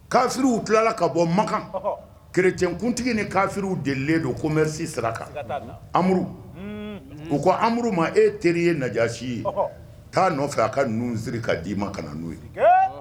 Kaffiriw tilala ka bɔ makan kerecɛnkuntigi ni kafiriw delen don ko bɛ saraka kan amadu u ko amadu ma e teri ye naasi ye'a nɔfɛ a ka ninnu siri k' d di' ma ka na n'u ye